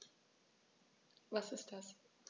Was ist das?